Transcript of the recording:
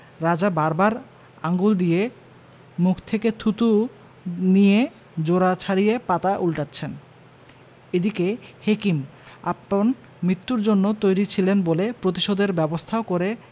রাজা বার বার আঙুল দিয়ে মুখ থেকে থুথু নিয়ে জোড়া ছাড়িয়ে পাতা উল্টোচ্ছেন এদিকে হেকিম আপন মৃত্যুর জন্য তৈরি ছিলেন বলে প্রতিশোধের ব্যবস্থাও করে